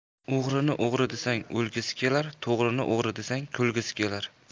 o'g'rini o'g'ri desang o'lgisi kelar to'g'rini o'g'ri desang kulgisi kelar